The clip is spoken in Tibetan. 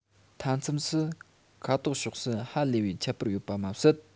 མཚམས མཚམས སུ ཁ དོག ཕྱོགས སུ ཧ ལས པའི ཁྱད པར ཡོད པ མ ཟད